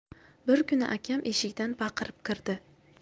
bir kuni akam eshikdan baqirib kirdi